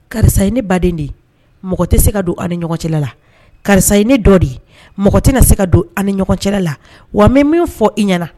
Karisa ye ne baden de ye mɔgɔ te se ka don an' ni ɲɔgɔn cɛla la karisa ye ne dɔ de ye mɔgɔ tena se ka don an' ni ɲɔgɔn cɛla la wa n be min fɔ i ɲana